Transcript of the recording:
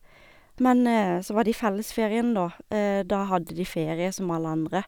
Men så var det i fellesferien, da, da hadde de ferie som alle andre.